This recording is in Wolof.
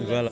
voilà